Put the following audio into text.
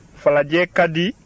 falajɛ ka di